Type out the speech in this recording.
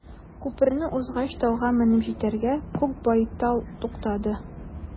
Күперне узгач, тауга менеп җитәрәк, күк байтал туктады.